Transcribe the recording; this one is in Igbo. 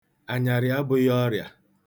Anyarị abụghị ọrịa.